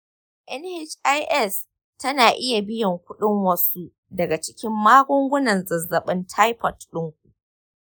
nhis tana iya biyan kuɗin wasu daga cikin magungunan zazzabin taifot ɗinku.